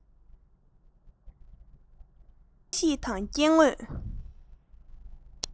གནམ གཤིས དང སྐྱེ དངོས